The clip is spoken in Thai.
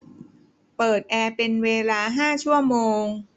เปิดแอร์เป็นเวลาห้าชั่วโมง